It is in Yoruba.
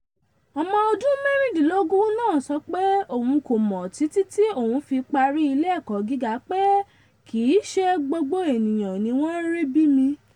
Ọmọ ọdún 24 mẹ́rìndínlógún náà sọ pé òun kò mọ̀ títí tí òun fi parí ilé ẹ̀kọ́ gíga pé “kìíṣe gbogbo ènìyàn ní wọ́n rí bí mi”